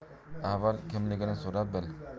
avval kimligini so'rab bil